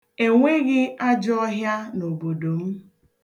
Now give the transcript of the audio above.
E nweghi ajọọhịa n'obodo m.